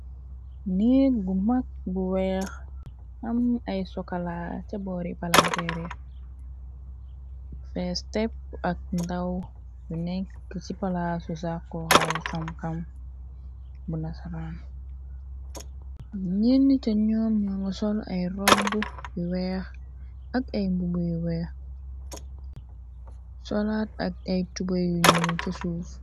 neig gu mag bu weex xam ay sokalaa ca boori palanteera fees tepp ak ndaw yu nek ki ci palaasu sàkko xaayu xam-xam bu nasaraan nirn ca ñoom ñoo nga sol ay robb yu weex ak ay mbubu yu weex solaat ak ay tuba yu ñu ca suuf